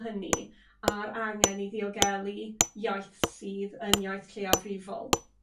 hynny a'r angen i ddiogelu iaith sydd yn iaith lleiafrifol?